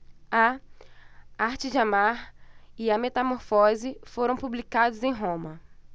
a arte de amar e a metamorfose foram publicadas em roma